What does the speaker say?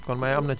kon maye am na ci